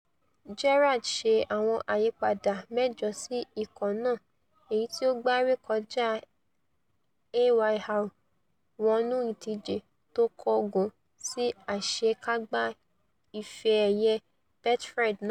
Gerrard ṣe àwọn ìyípadà mẹ́jọ sí ikọ̀ náà èyití ó gbá rekọjá Ayr wọnú ìdíje tó kángun sí àṣèkágbá Ife-ẹ̀yẹ Betfred náà.